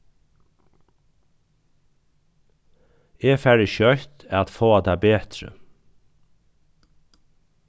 eg fari skjótt at fáa tað betri